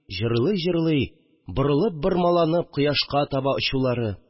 Җырлый-җырлый, борылып-бормаланып кояшка таба очулары